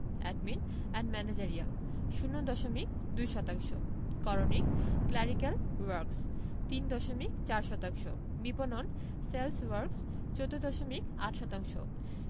admin and managerial ০ দশমিক ২ শতাংশ করণিক ক্ল্যারিক্যাল ওয়ার্ক্স ৩ দশমিক ৪ শতাংশ বিপণন সেলস ওয়ার্ক্স ১৪দশমিক ৮ শতাংশ